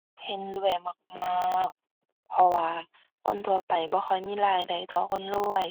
เห็นด้วยมากมาก เพราะว่าคนทั่วไปบ่ค่อยมีรายได้เท่าคนรวย